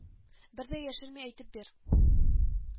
Бер дә яшерми әйтеп бир